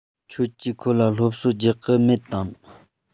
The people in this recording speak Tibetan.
ཁྱོད ཀྱིས ཁོ ལ སློབ གསོ རྒྱག གི མེད དམ